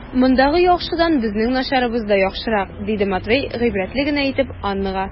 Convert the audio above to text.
Мондагы яхшыдан безнең начарыбыз да яхшырак, - диде Матвей гыйбрәтле генә итеп Аннага.